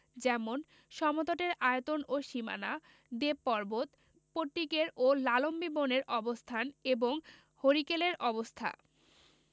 যেমন সমতটের আয়তন ও সীমানা দেবপর্বত পট্টিকের ও লালম্বি বন এর অবস্থান এবং হরিকেলের অবস্থা